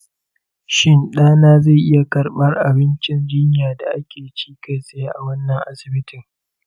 shin ɗa na zai iya karɓar abincin jinya da ake ci kai tsaye a wannan asibitin?